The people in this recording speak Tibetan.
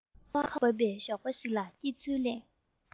ཁ བ བབས པའི ཞོགས པ ཞིག ལ སྐྱེ ཚུལ གླེང